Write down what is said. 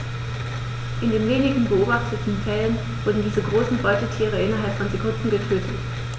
In den wenigen beobachteten Fällen wurden diese großen Beutetiere innerhalb von Sekunden getötet.